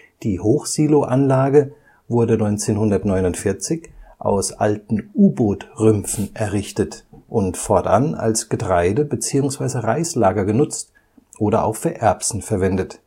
Die Hochsilo-Anlage wurde 1949 aus alten U-Boot-Rümpfen errichtet und fortan als Getreide - bzw. Reislager genutzt oder auch für Erbsen verwendet